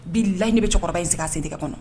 Bi laɲini bɛ cɛkɔrɔba in sigi a sen tɛgɛ kɔnɔ